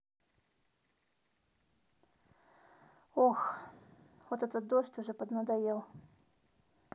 ох вот этот дождь уже поднадоел